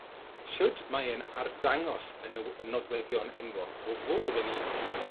Shwd mae e'n arddangos y now- y nodweddion enwog o fod yn un sydd yn